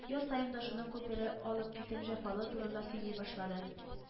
Яз саен ташуның күпене алып китеп җәфалы турында сөйли башлады